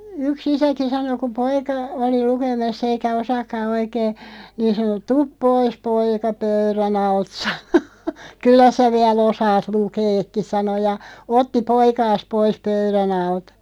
yksi isäkin sanoi kun poika oli lukemassa eikä osaakaan oikein niin sanoi tule pois poika pöydän alta sanoi kyllä sinä vielä osaat lukeakin sanoi ja otti poikansa pois pöydän alta